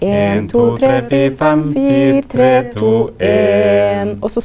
ein to tre fire fem fire tre to ein.